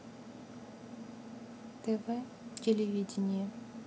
тв телевидение